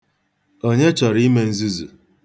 Onye chọrọ ime nzuzu?